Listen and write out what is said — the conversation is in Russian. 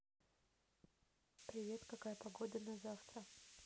привет какая погода на завтра